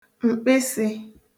mkpịsī